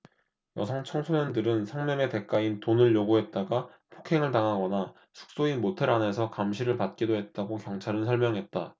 여성 청소년들은 성매매 대가인 돈을 요구했다가 폭행을 당하거나 숙소인 모텔 안에서 감시를 받기도 했다고 경찰은 설명했다